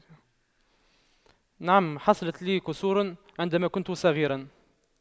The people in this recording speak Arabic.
نعم حصلت لي كسور عندما كنت صغيرا